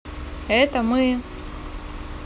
это мы